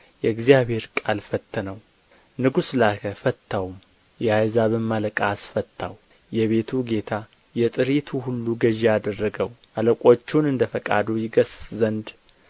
የእግዚአብሔር ቃል ፈተነው ንጉሥ ላከ ፈታውም የአሕዛብም አለቃ አስፈታው የቤቱ ጌታ የጥሪቱ ሁሉ ገዢ አደረገው አለቆቹን እንደ ፈቃዱ ይገሥጽ ዘንድ